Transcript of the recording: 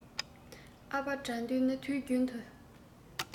ཨ ཕ དགྲ འདུལ ནི དུས རྒྱུན དུ